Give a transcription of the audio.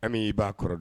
An y'i ba kɔrɔ dɔn